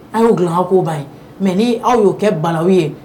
An y'o g koba ye mɛ n' aw y'o kɛ balaw ye